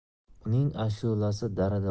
uning ashulasi darada